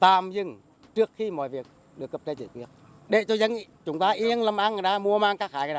tạm dừng trước khi mọi việc được cấp giấy giới thiệu để cho dân chúng ta yên làm ăn người ta mùa màng gặt hái